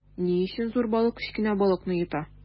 Ни өчен зур балык кечкенә балыкны йота?